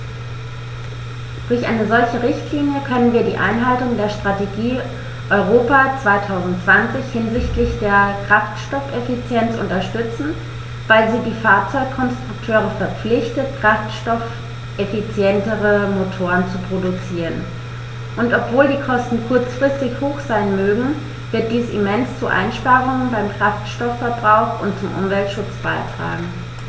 Durch eine solche Richtlinie können wir die Einhaltung der Strategie Europa 2020 hinsichtlich der Kraftstoffeffizienz unterstützen, weil sie die Fahrzeugkonstrukteure verpflichtet, kraftstoffeffizientere Motoren zu produzieren, und obwohl die Kosten kurzfristig hoch sein mögen, wird dies immens zu Einsparungen beim Kraftstoffverbrauch und zum Umweltschutz beitragen.